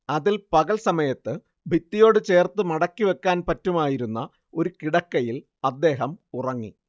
അതിൽ പകൽ സമയത്ത് ഭിത്തിയോടുചേർത്ത് മടക്കിവക്കാൻ പറ്റുമായിരുന്ന ഒരു കിടക്കയിൽ അദ്ദേഹം ഉറങ്ങി